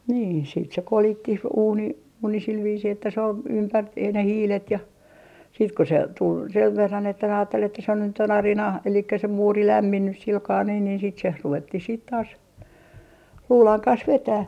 niin sitten se kolittiin uuni uuni sillä viisiin että se oli ympättiin ne hiilet ja sitten kun se tuli sen verran että ajatteli että se nyt on arina eli se muuri lämminnyt sillä kalella niin niin sitten se ruvettiin sitten taas luudan kanssa vetämään